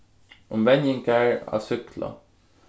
um venjingar á súkklu